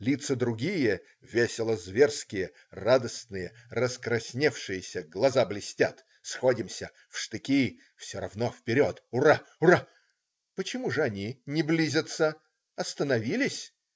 Лица другие - весело-зверские, радостные, раскрасневшиеся, глаза блестят. Сходимся. В штыки. Все равно. вперед!. ура!. ура!. Почему же они не близятся? остановились?